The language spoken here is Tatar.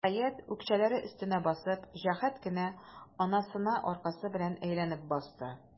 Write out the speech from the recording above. Хәят, үкчәләре өстенә басып, җәһәт кенә анасына аркасы белән әйләнеп басты.